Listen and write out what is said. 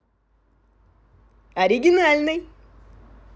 оригинальный